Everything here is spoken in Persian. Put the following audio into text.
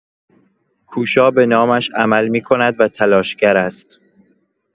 کوشا به نامش عمل می‌کند و تلاشگر است.